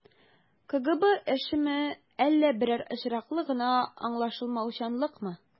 КГБ эшеме, әллә берәр очраклы гына аңлашылмаучанлыкмы?